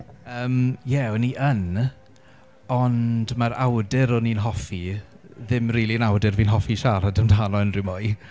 yym ie o'n i yn. Ond mae'r awdur o'n i'n hoffi, ddim rili yn awdur fi'n hoffi siarad amdano unrhyw mwy.